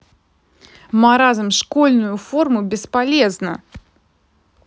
маразм школьную форму бесполезна